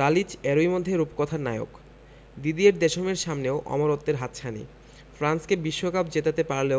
Dalic এরই মধ্যে রূপকথার নায়ক দিদিয়ের দেশমের সামনেও অমরত্বের হাতছানি ফ্রান্সকে বিশ্বকাপ জেতাতে পারলে